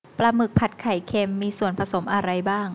ปลาหมึกผัดไข่เค็มมีส่วนผสมอะไรบ้าง